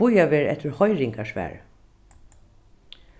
bíðað verður eftir hoyringarsvari